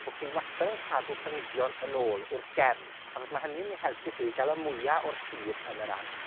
bo' chi wastad yn cadw planhigion yn ôl, wrth gefn, achos ma' hynny yn myn' i helpu chi ga'l y mwya o'r tir yn yr ardd.